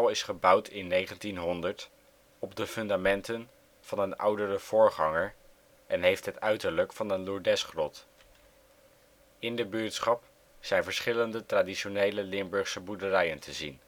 is gebouwd in 1900 op de fundamenten van een oudere voorganger en heeft het uiterlijk van een Lourdesgrot. In de buurtschap zijn verschillende traditionele Limburgse boerderijen te zien